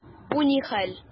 Бу ни хәл!